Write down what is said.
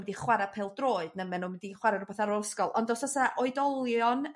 mynd i chwara pêl droed ne' ma' nhw mynd i chwara rwbath ar ôl ysgol. Ond os o's a oedolion